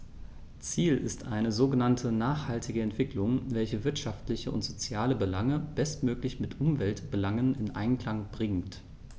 Ziel ist eine sogenannte nachhaltige Entwicklung, welche wirtschaftliche und soziale Belange bestmöglich mit Umweltbelangen in Einklang bringt.